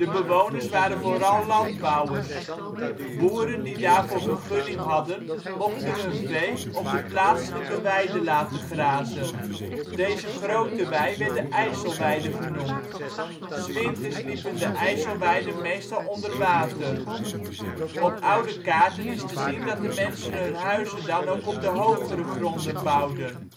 bewoners waren vooral landbouwers. Boeren die daarvoor vergunning hadden mochten hun vee op de plaatselijke weide laten grazen. Deze grote wei werd de IJsselweide genoemd. ' s Winters liepen de IJsselweiden meestal onder water. Op oude kaarten is te zien dat de mensen hun huizen dan ook op de hogere gronden bouwden